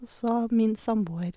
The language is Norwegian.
Og så min samboer.